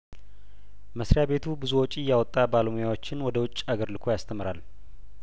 መስሪያ ቤቱ ብዙ ወጪ እያወጣ ባለሙያዎችን ወደ ውጭ አገር ልኮ ያስተምራል